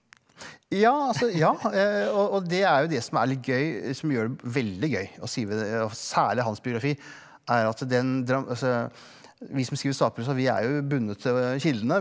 ja altså ja og og det er jo det som er litt gøy som gjør det veldig gøy å skrive og særlig hans biografi er at den altså vi som skriver sakprosa vi er jo bundet til kildene.